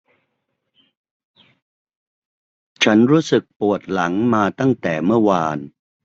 ฉันรู้สึกปวดหลังมาตั้งแต่เมื่อวาน